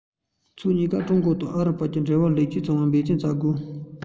ཕྱོགས གཉིས ཀས ཀྲུང གོ དང ཨ རིའི བར གྱི འབྲེལ བ ལེགས བཅོས ཡོངས བར འབད བརྩོན བྱ དགོས